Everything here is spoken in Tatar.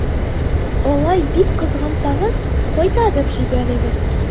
Алай бик кызгансагыз, кайтарып җибәрегез.